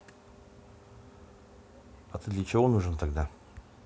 а ты для чего нужен тогда